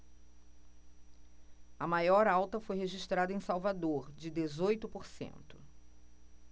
a maior alta foi registrada em salvador de dezoito por cento